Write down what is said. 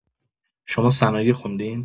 شما صنایع خوندین؟